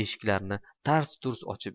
eshiklarni tars turs ochib